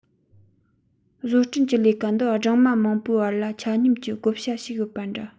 བཟོ སྐྲུན གྱི ལས ཀ འདི སྦྲང མ མང པོའི བར ལ ཆ སྙོམས ཀྱི བགོ བཤའ ཞིག ཡོད པ འདྲ